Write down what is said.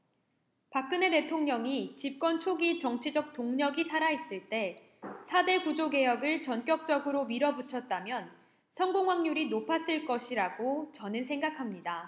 박근혜 대통령이 집권 초기 정치적 동력이 살아 있을 때 사 대 구조 개혁을 전격적으로 밀어붙였다면 성공 확률이 높았을 것이라고 저는 생각합니다